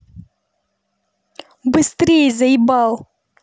быстрее заебал